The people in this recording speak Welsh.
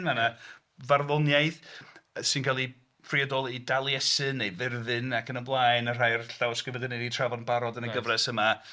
Mae 'na farddoniaeth sy'n cael ei briodoli i Daliesin neu Fyrddin ac yn y blaen, a rhai o'r llawysgrifau dan ni 'di trafod yn barod yn y gyfres yma...